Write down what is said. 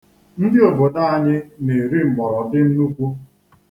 Ndị obodo anyị na-eri mgbọrọdị nnukwu.